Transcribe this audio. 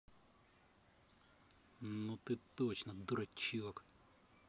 ну ты точно дурачок